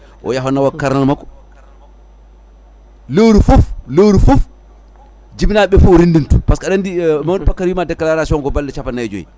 o yaaha o nawa karnal makko lewru foof lewru foof jibinaɓe foof o renduntu par ce que aɗa andi mawɗo Bakary wima déclaration ko balɗe capanɗe nayyi e joyyi